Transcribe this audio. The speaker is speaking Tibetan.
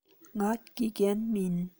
ང དགེ རྒན མིན